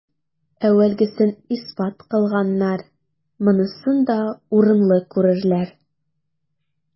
Әүвәлгесен исбат кылганнар монысын да урынлы күрерләр.